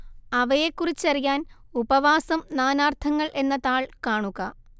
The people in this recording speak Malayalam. അവയെക്കുറിച്ചറിയാന്‍ ഉപവാസം നാനാര്‍ത്ഥങ്ങള്‍ എന്ന താള്‍ കാണുക